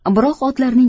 biroq otlarning